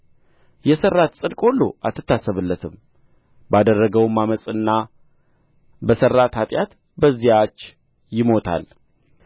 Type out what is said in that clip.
የሠራት ጽድቅ ሁሉ አትታሰብለትም ባደረገው ዓመፅና በሠራት ኃጢአት በዚያች ይሞታል